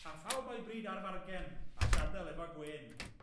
a phawb a'u bryd ar fargen a gad'el efo gwên.